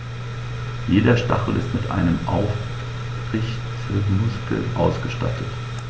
Jeder Stachel ist mit einem Aufrichtemuskel ausgestattet.